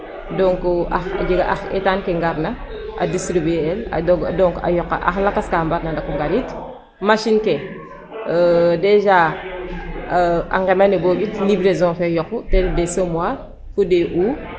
Donc ax a jega ax eetaan ke ngarna a distribuer el donc a yoqa ax lakas ka mbarna ndako ngariid machine ke déjà a nqemban ee bo ƴut livraison fe yoqu ta ref des semoire fo des Ou.